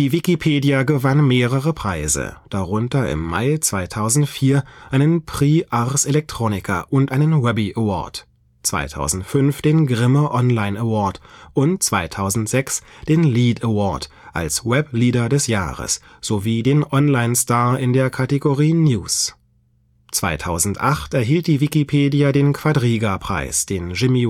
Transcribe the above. Wikipedia gewann mehrere Preise, darunter im Mai 2004 einen Prix Ars Electronica und einen Webby Award, 2005 den Grimme Online Award und 2006 den LeadAward als Webleader des Jahres sowie den OnlineStar in der Kategorie „ News “. 2008 erhielt die Wikipedia den Quadriga-Preis, den Jimmy